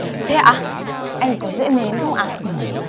thế ạ anh ấy có dễ mến không ạ